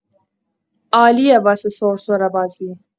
عالیه واسه سرسره‌بازی!